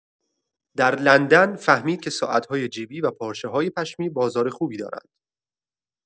در لندن، فهمید که ساعت‌های جیبی و پارچه‌های پشمی بازار خوبی دارند.